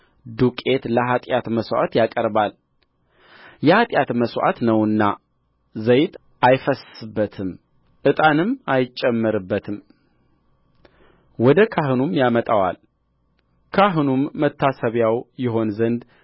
ዱቄት ለኃጢአት መሥዋዕት ያቀርበዋል የኃጢአት መሥዋዕት ነውና ዘይት አያፈስስበትም ዕጣንም አይጨምርበትምወደ ካህኑም ያመጣዋል ካህኑም መታሰቢያው ይሆን ዘንድ